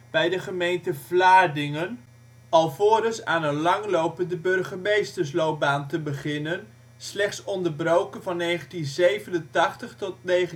bij de gemeente Vlaardingen, alvorens aan een langlopende burgemeestersloopbaan te beginnen, slechts onderbroken van 1987 tot 1992